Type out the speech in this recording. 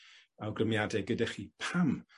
awgrymiade gyda chi pam